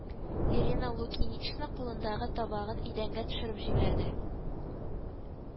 Ирина Лукинична кулындагы табагын идәнгә төшереп җибәрде